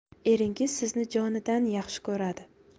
eringiz sizni jonidan yaxshi ko'radi